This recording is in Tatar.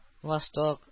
Восток